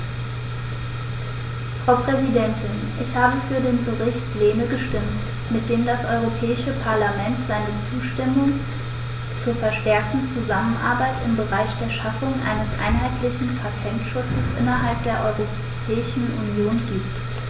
Frau Präsidentin, ich habe für den Bericht Lehne gestimmt, mit dem das Europäische Parlament seine Zustimmung zur verstärkten Zusammenarbeit im Bereich der Schaffung eines einheitlichen Patentschutzes innerhalb der Europäischen Union gibt.